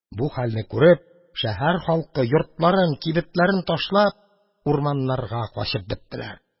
Бу хәлне күреп, шәһәр халкы, йортларын, кибетләрен ташлап, урманнарга качып беттеләр.